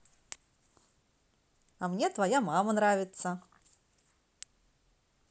а мне твоя мама нравится